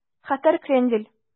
Хәтәр крендель